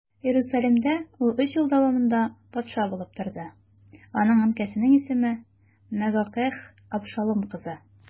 Иерусалимдә ул өч ел дәвамында патша булып торды, аның әнкәсенең исеме Мәгакәһ, Абшалум кызы.